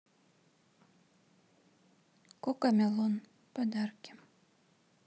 кокомелон подарки